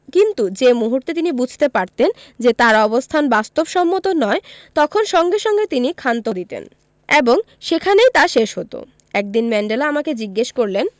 কিন্তু যে মুহূর্তে তিনি বুঝতে পারতেন যে তাঁর অবস্থান বাস্তবসম্মত নয় তখন সঙ্গে সঙ্গে তিনি ক্ষান্ত দিতেন এবং সেখানেই তা শেষ হতো একদিন ম্যান্ডেলা আমাকে জিজ্ঞেস করলেন